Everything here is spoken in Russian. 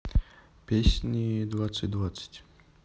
песни двадцать двадцать